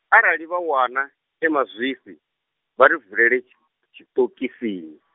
arali vha wana, e mazwifhi, vha ri valele tshi-, tshiṱokisini .